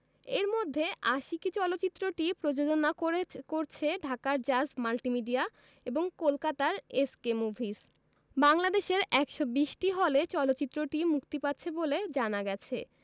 এর মধ্যে আশিকী চলচ্চিত্রটি প্রযোজনা করে করছে ঢাকার জাজ মাল্টিমিডিয়া এবং কলকাতার এস কে মুভিজ বাংলাদেশের ১২০টি হলে চলচ্চিত্রটি মুক্তি পাচ্ছে বলে জানা গেছে